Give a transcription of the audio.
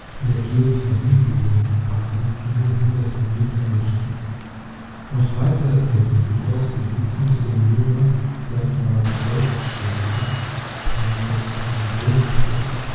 der Geothermiebohrung Basel viele hundert Meter mächtig). Noch weiter im Südosten liegt unter dem Jura der Nordwestschweizer Permokarbontrog